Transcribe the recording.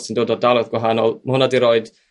sy'n dod o ardaloedd gwahanol ma' hwnna 'di roid